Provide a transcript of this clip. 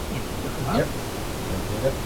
Ie diolch yn fawr. Ie ni de.